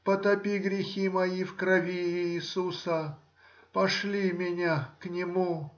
потопи грехи мои в крови Иисуса, пошли меня к нему!.